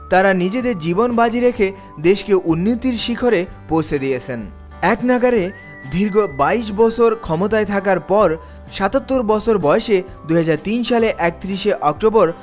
তারা নিজেদের জীবন বাজি রেখে দেশকে উন্নতির শিখরে পৌঁছে দিয়েছেন এক নাগারে দীর্ঘ ২২ বছর ক্ষমতায় থাকার পর ৭৭ বছর বয়সে ২০০৩ সালে ৩১ অক্টোবর